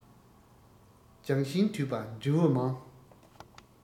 ལྗོན ཤིང དུད པ འབྲས བུ མང